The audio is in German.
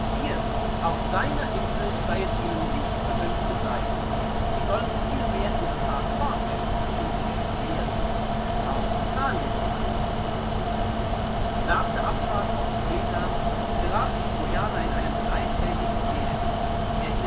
Hier auf seiner Insel sei es ihnen nicht vergönnt zu bleiben, sie sollen vielmehr ihre Fahrt fortsetzen und Hesperien, auch Italien genannt, suchen. Nach der Abfahrt aus Kreta geraten die Trojaner in einen dreitägigen Seesturm, der